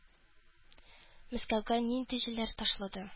Мәскәүгә нинди җилләр ташлады?